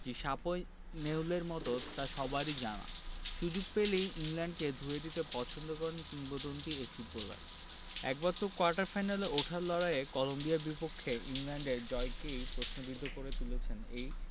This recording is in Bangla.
শাপে নেউলের মতো তা সবারই জানা সুযোগ পেলেই ইংল্যান্ডকে ধুয়ে দিতে পছন্দ করেন কিংবদন্তি এ ফুটবলার একবার তো কোয়ার্টার ফাইনালে ওঠার লড়াইয়ে কলম্বিয়ার বিপক্ষে ইংল্যান্ডের জয়কেই প্রশ্নবিদ্ধ করে তুলেছেন এই